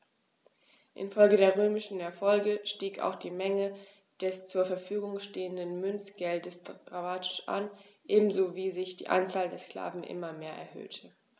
Infolge der römischen Erfolge stieg auch die Menge des zur Verfügung stehenden Münzgeldes dramatisch an, ebenso wie sich die Anzahl der Sklaven immer mehr erhöhte.